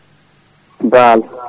Baal